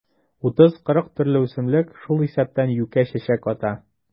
30-40 төрле үсемлек, шул исәптән юкә чәчәк ата.